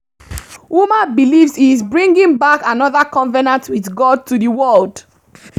Ouma believes he is bringing back another covenant with God to the world.